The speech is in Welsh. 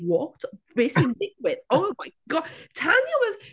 What? Be sy'n digwydd? Oh my go-, Tanya was...